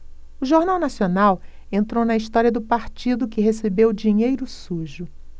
o jornal nacional entrou na história do partido que recebeu dinheiro sujo